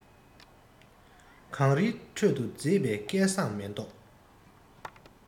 གངས རིའི ཁྲོད དུ མཛེས པའི སྐལ བཟང མེ ཏོག